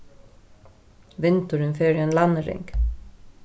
vindurin fer í ein landnyrðing